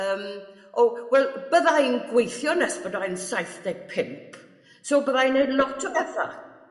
yym o wel bydda i'n gweithio nes bodai'n saeth deg pump so byddai'n neud lot o betha